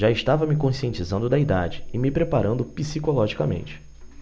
já estava me conscientizando da idade e me preparando psicologicamente